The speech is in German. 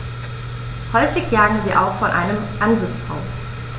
Häufig jagen sie auch von einem Ansitz aus.